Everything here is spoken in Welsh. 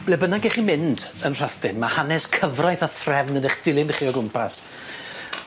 Ble bynnag 'ych chi'n mynd yn Rhythun ma' hanes cyfraith a threfn yn eich dilyn chi o gwmpas.